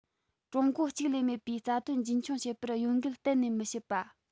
ཀྲུང གོ གཅིག ལས མེད པའི རྩ དོན རྒྱུན འཁྱོངས བྱེད པར གཡོ འགུལ གཏན ནས མི བྱེད པ